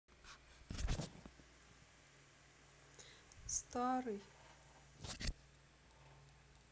старый